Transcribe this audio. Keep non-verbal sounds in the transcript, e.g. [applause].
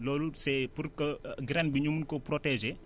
loolu c' est pour que [hesitation] graine bi ñu mun koo protégé